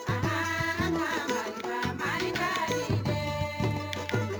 Anhan an ka Maliba, Mali ka di deeeeee